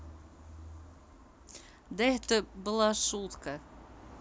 да это была шутка